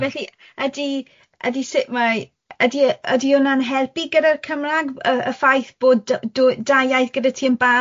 Felly, ydi, ydi sut mae... Ydi ydi hwnna'n helpu gyda'r Cymraeg? Yy y ffaith bod d- dwy- ddau iaith gyda ti yn barod?